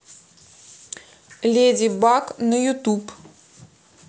леди баг на ютуб